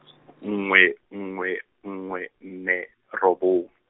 nngwe, nngwe, nngwe, nne, robong.